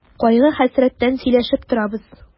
Кайгы-хәсрәттән сөйләшеп торабыз.